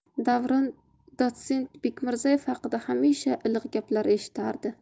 davron dotsent bekmirzaev haqida hamisha iliq gaplar eshitardi